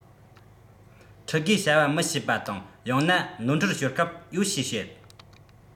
ཕྲུ གུས བྱ བ མི ཤེས པ དང ཡང ན ནོར འཁྲུལ ཤོར སྐབས ཡོད ཞེས བཤད